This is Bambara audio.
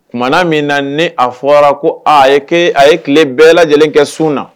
Tumana min na ni a fɔra ko a ye ke a ye tile bɛɛ lajɛlen kɛ sun na